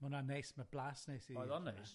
Ma' wnna'n neis, ma' blas neis i... Oedd o'n neis.